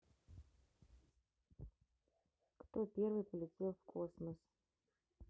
кто первый полетел в космос